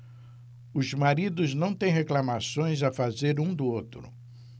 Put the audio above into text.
os maridos não têm reclamações a fazer um do outro